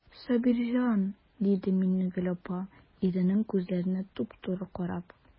Сабирҗан,– диде Миннегөл апа, иренең күзләренә туп-туры карап.